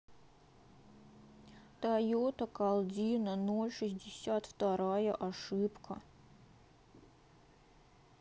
тойота калдина ноль шестьдесят вторая ошибка